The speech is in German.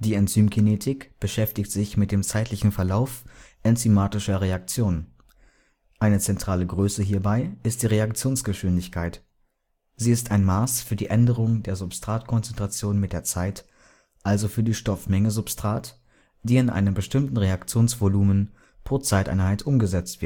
Enzymkinetik beschäftigt sich mit dem zeitlichen Verlauf enzymatischer Reaktionen. Eine zentrale Größe hierbei ist die Reaktionsgeschwindigkeit. Sie ist ein Maß für die Änderung der Substratkonzentration mit der Zeit, also für die Stoffmenge Substrat, die in einem bestimmten Reaktionsvolumen pro Zeiteinheit umgesetzt